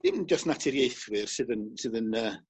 dim jys naturiaethwyr sydd yn sydd yn yy